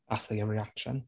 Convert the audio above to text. That's the reaction.